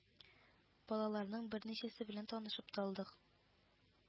Балаларның берничәсе белән танышып та алдык